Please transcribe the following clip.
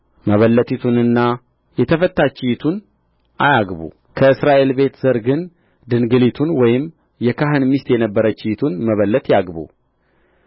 መበለቲቱንና የተፈታችይቱን አያግቡ ከእስራኤል ቤት ዘር ግን ድንግሊቱን ወይም የካህን ሚስት የነበረችይቱን መበለት ያግቡ